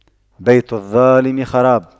بيت الظالم خراب